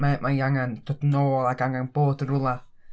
Mae ma' hi angen dod nôl ac angen bod yn rwla.